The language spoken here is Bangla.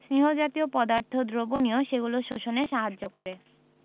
স্নেহ জাতীয় পদার্থ দ্রবণীয় সেগুলো শোষণে সাহায্য করে